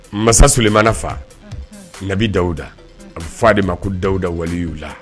Masa sulemana fa, nabi dawuda, a bɛ fɔ ale de ma ko dawuda waliyula